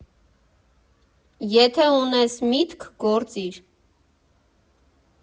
Եթե ունես միտք, գործիր։